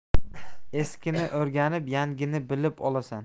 eskini o'rganib yangini bilib olasan